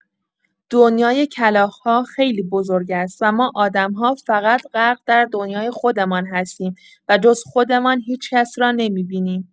دنیای کلاغ‌ها خیلی بزرگ است و ما آدم‌ها فقط غرق در دنیای خودمان هستیم و جز خودمان هیچ‌کس را نمی‌بینم.